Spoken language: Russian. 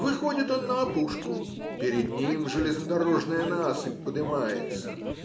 Выходит он на опушку - перед ним железнодорожная насыпь подымается